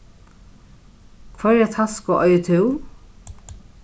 hvørja tasku eigur tú